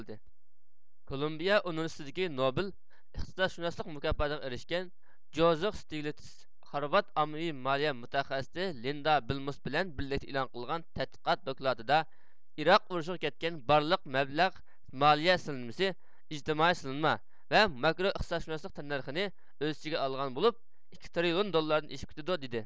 كولومبىيە ئۇنىۋېرسىتېتىدىكى نوبېل ئىقتىسادشۇناسلىق مۇكاپاتىغا ئېرىشكەن جوزىغ ستيېگلتىس خارۋارد ئاممىۋى مالىيە مۇتەخەسسىسى لىندا بىلمۇس بىلەن بىرلىكتە ئېلان قىلغان تەتقىقات دوكلاتىدا ئىراق ئۇرۇشىغا كەتكەن بارلىق مەبلەغ مالىيە سېلىنمىسى ئىجتىمائىي سېلىنما ۋە ماكرو ئىقتىسادشۇناسلىق تەننەرخىنى ئۆز ئىچىگە ئالغان بولۇپ ئىككى تىرىليون دوللاردىن ئېشىپ كېتىدۇ دىدى